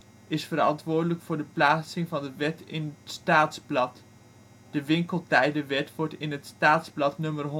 verantwoordelijk voor de plaatsing van een wet in het Staatsblad. De Winkeltijdenwet wordt in het Staatsblad nummer